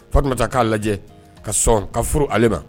Fatumata k'a lajɛ ka sɔn ka furu ale ma